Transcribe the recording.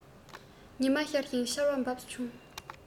ཉི མ ཤར ཞིང ཆར བ བབས བྱུང